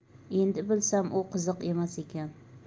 endi bilsam u qiziq emas ekan